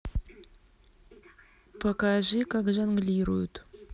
покажи как жонглируют